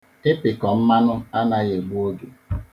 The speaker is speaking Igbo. Ịpịkọ mmanụ anaghị egbu oge.